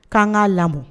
K'an kaa lamɔ